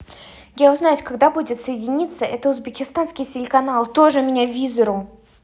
я узнать когда будет соединиться это узбекистанский телеканал тоже меня визору